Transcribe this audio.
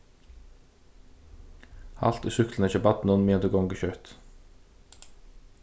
halt í súkkluni hjá barninum meðan tú gongur skjótt